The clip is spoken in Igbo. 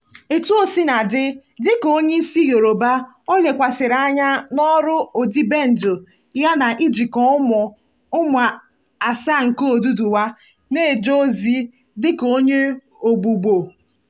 Etuọsinadị, dịka onye isi Yorùbá, o lekwasịrị anya n'ọrụ ọdịbendị ya na ijikọ ụmụ ụmụ asaa nke Odùduwa, na-eje ozi dị ka onye ogbugbo.